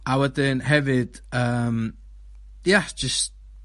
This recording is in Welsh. a wedyn hefyd yym ia jys...